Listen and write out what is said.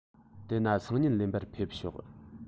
དེ ན སང ཉིན ལེན པར ཕེབས ཤོག